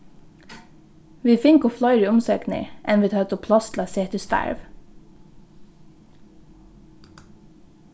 vit fingu fleiri umsóknir enn vit høvdu pláss til at seta í starv